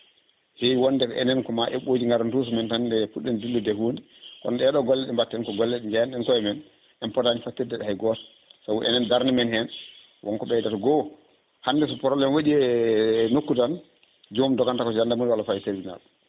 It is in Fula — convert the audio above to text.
hewi wonde ko enen ko ma heɓɓoji gara duusamen tan nde puɗɗo ɗen dillu tan e hunde kono ɗeɗo golle ɗe batten ko golle ɗe jeyanɗen koyemen en pootani fattirdeɗe hay goto saabu enen darde men hen wonko ɓeydata goho hande so probléme waɗi e nokku tan joomum doganta ko gendarmerie walla faaya tribunal